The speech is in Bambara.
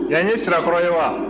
yan ye sirakɔrɔ ye wa